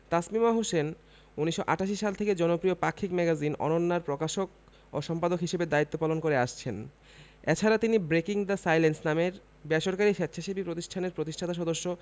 তাসমিমা হোসেন ১৯৮৮ সাল থেকে জনপ্রিয় পাক্ষিক ম্যাগাজিন অনন্যা র প্রকাশক ও সম্পাদক হিসেবে দায়িত্ব পালন করে আসছেন এ ছাড়া তিনি ব্রেকিং দ্য সাইলেন্স নামের বেসরকারি স্বেচ্ছাসেবী প্রতিষ্ঠানের প্রতিষ্ঠাতা সদস্য